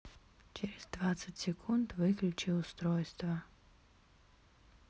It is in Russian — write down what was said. через двадцать секунд выключи устройство